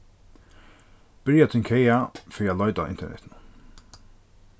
byrja tín kaga fyri at leita á internetinum